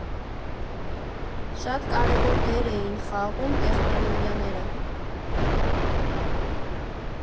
Շատ կարևոր դեր էին խաղում տեխնոլոգիաները։